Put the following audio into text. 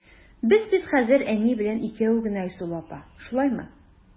Без бит хәзер әни белән икәү генә, Айсылу апа, шулаймы?